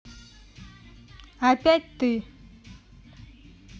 опять ты